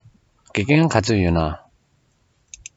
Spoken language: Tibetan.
དགེ རྒན ག ཚོད ཡོད ན